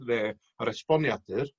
ne' yr esboniadur